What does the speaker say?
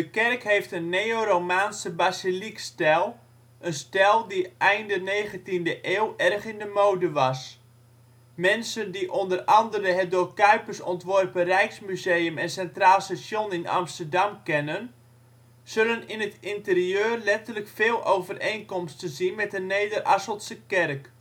kerk heeft een neoromaanse basiliekstijl, een stijl die einde 19e eeuw erg in de mode was. Mensen die onder andere het door Cuijpers ontworpen Rijksmuseum en Centraal Station in Amsterdam kennen, zullen in het interieur letterlijk veel overeenkomsten zien met de Nederasseltse kerk